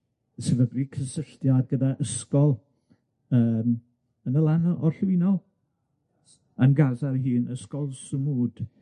sefydlu cysylltiad gyda ysgol yym yn y lan o- orllewinol, yn Gaza 'i hun, Ysgol Samud.